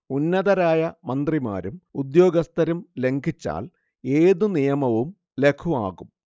ഉന്നതരായ മന്ത്രിമാരും ഉദ്യോഗസ്ഥരും ലംഘിച്ചാൽ ഏത് നിയമവും ലഘുവാകും